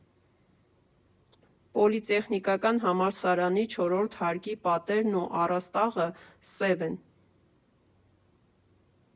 Պոլիտեխնիկական համալսարանի չորրորդ հարկի պատերն ու առաստաղը սև են։